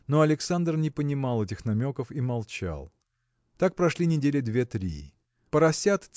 но Александр не понимал этих намеков и молчал. Так прошли недели две-три. Поросят